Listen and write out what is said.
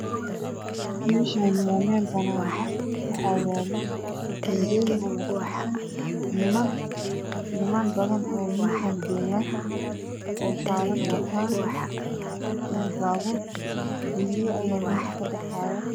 Meeshaani waa meel banaan aha waxaa yaalo ku fidsan niman badan aya joga oo ahaarar wataan iyo baabur geedo Aya meesha ka baxaayo